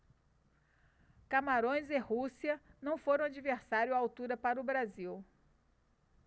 camarões e rússia não foram adversários à altura para o brasil